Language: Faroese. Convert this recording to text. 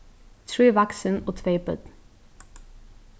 trý vaksin og tvey børn